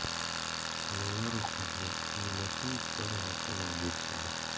bolalaru qizlar chuvillashib baravar salom berishadi